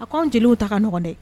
A ko anw jeliw ta kaɔgɔn dɛ